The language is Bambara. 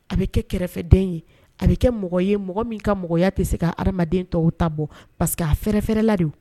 A bɛ kɛ kɛrɛfɛden ye a bɛ kɛ mɔgɔ ye mɔgɔ min ka mɔgɔya tɛ se ka ha adamadamaden tɔw ta bɔ parce que a fɛrɛɛrɛ la de